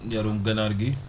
yaraum gannaar gi